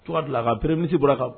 To dilan a ka pereirisi bɔra kan